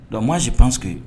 Don m si panseke yen